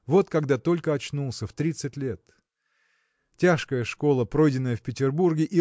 Вот когда только очнулся – в тридцать лет! Тяжкая школа пройденная в Петербурге